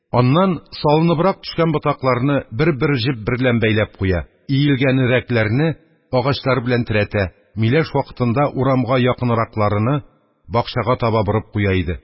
Аннан соң салыныбрак төшкән ботакларыны бер-бер җеп берлән бәйләп куя, иелгәнрәкләрене агачлар берлән терәтә, миләш вакытында урамга якынракларыны бакчага таба борып куя иде